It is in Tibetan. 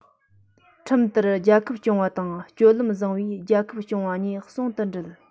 ཁྲིམས ལྟར རྒྱལ ཁབ སྐྱོང བ དང སྤྱོད ལམ བཟང པོས རྒྱལ ཁབ སྐྱོང བ གཉིས ཟུང དུ སྦྲེལ